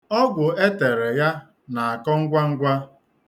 Ọgwụ e tere ya na-akọ ngwangwa.